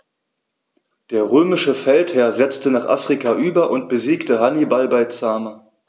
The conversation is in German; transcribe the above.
Der römische Feldherr setzte nach Afrika über und besiegte Hannibal bei Zama.